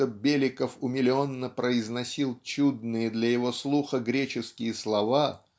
что Беликов умиленно произносил чудные для его слуха греческие слова